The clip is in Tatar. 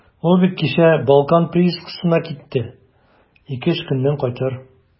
Ул бит кичә «Балкан» приискасына китте, ике-өч көннән кайтыр.